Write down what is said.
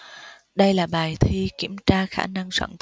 đây là bài thi kiểm tra khả năng soạn